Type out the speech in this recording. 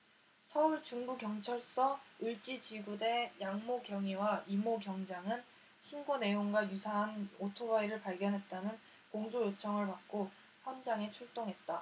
서울중부경찰서 을지지구대 양모 경위와 이모 경장은 신고 내용과 유사한 오토바이를 발견했다는 공조 요청을 받고 현장에 출동했다